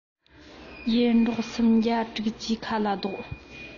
ཡེ འབྲོག སུམ བརྒྱ དྲུག ཅུའི ཁ ལ བཟློག